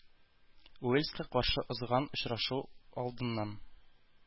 Уэльска каршы узган очрашу алдыннан